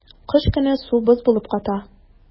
Кыш көне су боз булып ката.